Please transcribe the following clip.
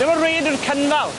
Dyma raeadr Cynfal.